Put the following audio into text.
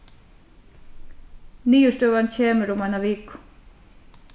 niðurstøðan kemur um eina viku